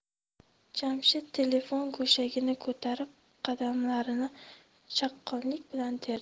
jamshid telefon go'shagini ko'tarib raqamlarni chaqqonlik bilan terdi